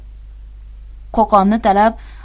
qo'qonni talab